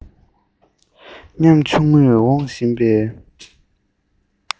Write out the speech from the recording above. ཉམ ཆུང ངུས འོང བཞིན པའི